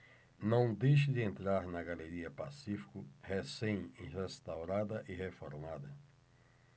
não deixe de entrar na galeria pacífico recém restaurada e reformada